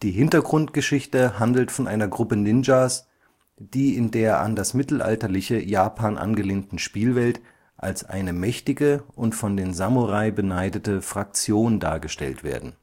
Hintergrundgeschichte handelt von einer Gruppe Ninjas, die in der an das mittelalterliche Japan angelehnten Spielwelt als eine mächtige und von den Samurai beneidete Fraktion dargestellt werden